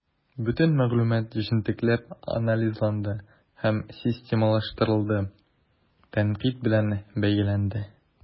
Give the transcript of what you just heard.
Бөтен мәгълүмат җентекләп анализланды һәм системалаштырылды, тәнкыйть белән бәяләнде.